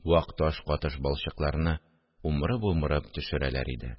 Вак таш катыш балчыкларны умырып-умырып төшерәләр иде